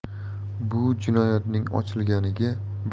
bu jinoyatning ochilganiga